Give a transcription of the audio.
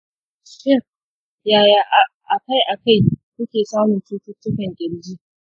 shin yaya akai-akai kuke samun cututtukan ƙirji?